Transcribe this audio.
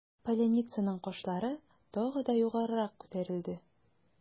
Поляницаның кашлары тагы да югарырак күтәрелде.